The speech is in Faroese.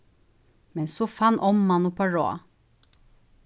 men so fann omman upp á ráð